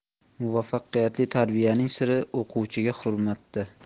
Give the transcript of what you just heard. muvaffaqiyatli tarbiyaning siri o'quvchiga hurmatda